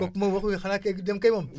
kooku moom waxuñu xanaa kay ku dem kay moom